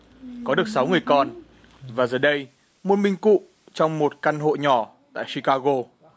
có được sáu người con và giờ đây một mình cụ trong một căn hộ nhỏ tại chi ca gô